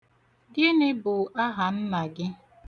Gịnị bụ ahanna gị?